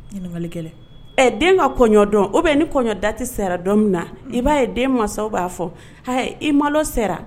Ɛ den ka kɔdɔn o bɛ ni kɔɲɔ da tɛ sera don min na i b'a ye den masaw b'a fɔ i malɔ sera